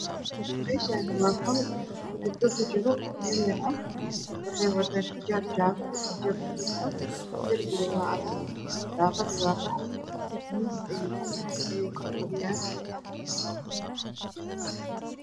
Meshani waa qol ey gebdho ku jira yar yar ah wexey watan xijaab jalo iyo xijab baluug ah derbiga waa cadan daqadu waa qaxwi miis ayeey kor fadhiyaan